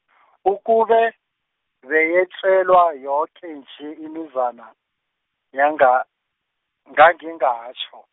ukube, beyetjelwa yoke nje imizana, yanga- ngangingatjho.